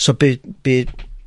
So by- bydd